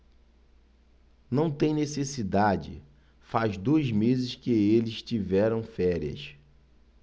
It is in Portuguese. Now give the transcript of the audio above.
não tem necessidade faz dois meses que eles tiveram férias